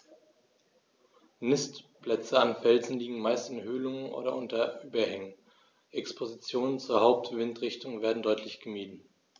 Nistplätze an Felsen liegen meist in Höhlungen oder unter Überhängen, Expositionen zur Hauptwindrichtung werden deutlich gemieden.